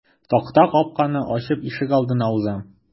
Такта капканы ачып ишегалдына узам.